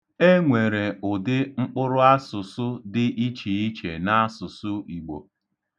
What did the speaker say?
E nwere ụdị mkpụrụasụsụ dị ichiiche n'asụsụ Igbo.